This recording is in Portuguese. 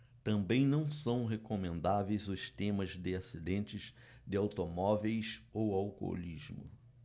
também não são recomendáveis os temas de acidentes de automóveis ou alcoolismo